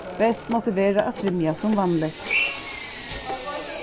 best mátti vera at svimja sum vanligt